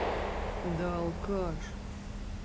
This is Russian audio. да алкаш